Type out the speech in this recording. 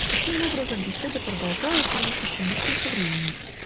Таким образом беседа продолжалась у них еще несколько времени